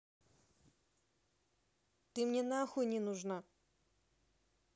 ты мне нахуй не нужна